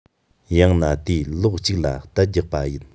ཡང ན དེའི ལོགས གཅིག ལ གཏད རྒྱག པ ཡིན